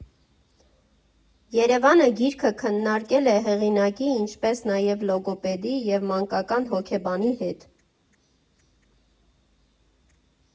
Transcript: ԵՐԵՎԱՆը գիրքը քննարկել է հեղինակի, ինչպես նաև լոգոպեդի և մանկական հոգեբանի հետ։